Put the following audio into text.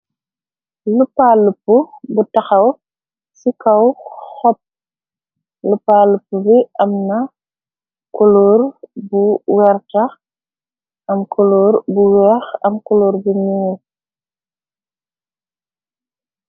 Lupaluppu bu taxaw ci kaw xob, lupàlupu bi am na koloor bu werta, am koloor bu weex, am koloor bu ñuul.